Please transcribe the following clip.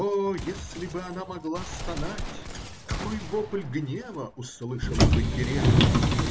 О, если бы она могла стонать, какой вопль гнева услышал бы директор!